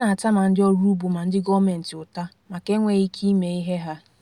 A na-ata ma ndị ọrụ ugbo ma ndị gọọmentị ụta maka enweghị ike ịme ihe ha.